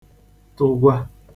tụgwa